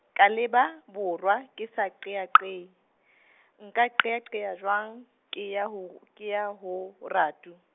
ka leba borwa ke sa qeaqee , nka qeaqea jwang, ke ya ho, ke ya ho ratu?